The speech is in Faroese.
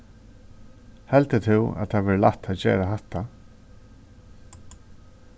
heldur tú at tað verður lætt at gera hatta